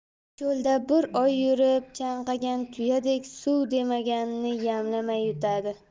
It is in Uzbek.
cho'lda bir oy yurib chanqagan tuyadek suv demaganni yamlamay yutadi